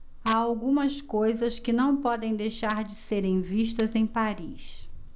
há algumas coisas que não podem deixar de serem vistas em paris